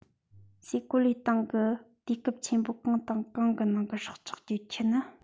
སའི གོ ལའི སྟེང གི དུས སྐབས ཆེན པོ གང དང གང གི ནང གི སྲོག ཆགས ཀྱི ཁྱུ ནི